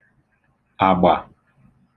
àgbà